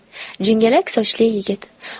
jingalak sochli yigit